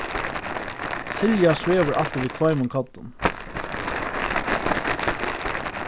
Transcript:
silja svevur altíð við tveimum koddum